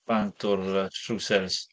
bant o'r, yy, trowsus.